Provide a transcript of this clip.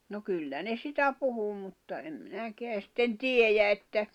no kyllä ne sitä puhui mutta en minäkään sitten tiedä että